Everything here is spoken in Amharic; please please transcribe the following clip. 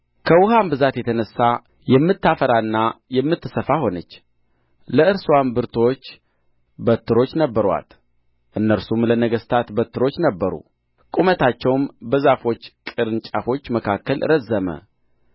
ከውኃም ብዛት የተነሣ የምታፈራና የምትሰፋ ሆነች ለእርስዋም ብርቱዎች በትሮች ነበሩአት እነርሱም ለነገሥታት በትሮች ነበሩ ቁመታቸውም በዛፎች ቅርንጫፎች መካከል ረዘመ